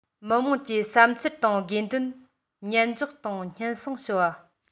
མི དམངས ཀྱི བསམ འཆར དང དགོས འདུན ཉན འཇོག དང སྙན སེང ཞུ བ